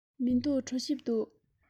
མི འདུག གྲོ ཞིབ འདུག